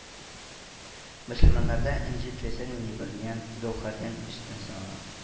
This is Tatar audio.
Мөселманнарда энҗе теләсә нинди бриллинт-гәүһәрдән өстен санала